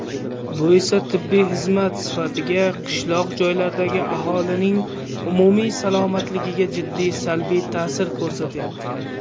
bu esa tibbiy xizmat sifatiga qishloq joylardagi aholining umumiy salomatligiga jiddiy salbiy ta'sir ko'rsatyapti